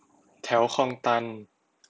แถวคลองตัน